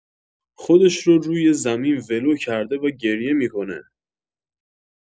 خودش رو روی زمین ولو کرده و گریه می‌کنه